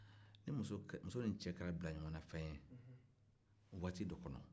n'i muso ni cɛ kɛra bilaɲɔgɔnnafɛn ye waati dɔ kɔnɔ